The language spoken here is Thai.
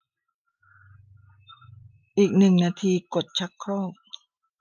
อีกหนึ่งนาทีกดชักโครก